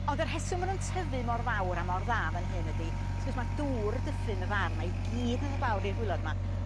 Ond y rheswm ma' nw'n tyfu mor fawr a mor dda fan hyn ydi ws gwrs ma' dŵr y Dyffryn efo ar' 'ma i gyd yn ddod lawr i'r gwilod 'ma